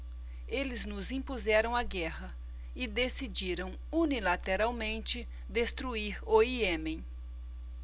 eles nos impuseram a guerra e decidiram unilateralmente destruir o iêmen